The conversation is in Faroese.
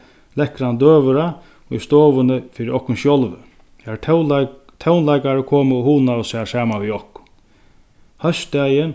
lekkran døgurða í stovuni fyri okkum sjálv har tónleikarar komu og hugnaðu sær saman við okkum hósdagin